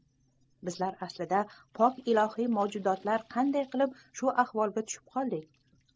bizlar aslida pok ilohiy mavjudotlar qanday qilib shu ahvolga tushib qoldik